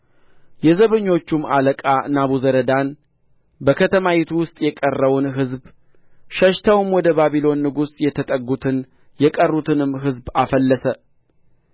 የዘበኞቹም አለቃ ናቡዘረዳን በከተማይቱ ውስጥ የቀረውን ሕዝብ ሸሽተውም ወደ ባቢሎን ንጉሥ የተጠጉትን የቀሩትንም ሕዝብ አፈለሰ